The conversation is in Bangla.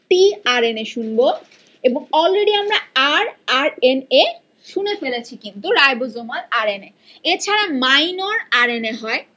টি আর এন এ শুনবো এবং অলরেডি আমরা আর আর এন এ শুনে ফেলেছি কিন্তু রাইবোজোমাল আরএনএ এছাড়া মাইনর আরএনএ হয়